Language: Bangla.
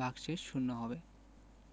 ভাগশেষ শূন্য হবে